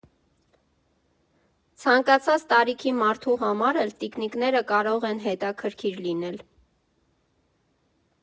Ցանկացած տարիքի մարդու համար էլ տիկնիկները կարող են հետաքրքիր լինել։